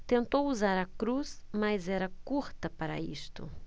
tentou usar a cruz mas era curta para isto